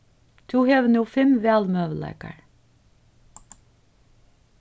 tú hevur nú fimm valmøguleikar